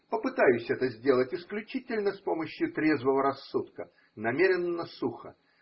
Попытаюсь это сделать исключительно с помощью трезвого рассудка, намеренно сухо.